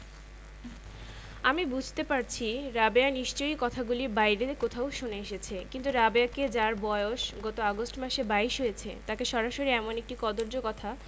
আমি বুঝতে পারছি রাবেয়া নিশ্চয়ই কথাগুলি বাইরে কোথাও শুনে এসেছে কিন্তু রাবেয়াকে যার বয়স গত আগস্ট মাসে বাইশ হয়েছে তাকে সরাসরি এমন একটি কদৰ্য কথা